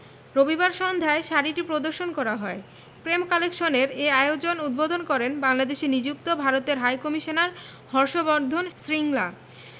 রবিবার সন্ধ্যায় শাড়িটি প্রদর্শন করা হয় প্রেম কালেকশনের এ আয়োজন উদ্বোধন করেন বাংলাদেশে নিযুক্ত ভারতের হাইকমিশনার হর্ষ বর্ধন শ্রিংলা